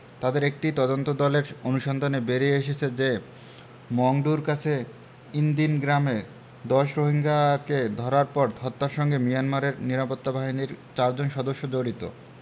তাদের একটি তদন্তদলের অনুসন্ধানে বেরিয়ে এসেছে যে মংডুর কাছে ইনদিন গ্রামে ১০ রোহিঙ্গাকে ধরার পর হত্যার সঙ্গে মিয়ানমারের নিরাপত্তা বাহিনীর চারজন সদস্য জড়িত